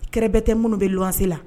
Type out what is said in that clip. Kɛlɛbɛn tɛ minnu bɛ wansi la